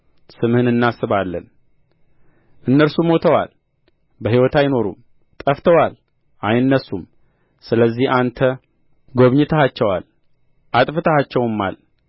ስምህን እናስባለን እነርሱ ሞተዋል በሕይወት አይኖሩም ጠፍተዋል አይነሡም ስለዚህ አንተ ጐብኝተሃቸዋል አጥፍተሃቸውማል